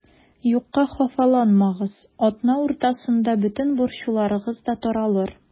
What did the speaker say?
Юкка хафаланмагыз, атна уртасында бөтен борчуларыгыз да таралыр.